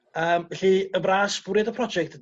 ...ym felly yn fras bwriad y project